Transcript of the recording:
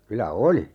kyllä oli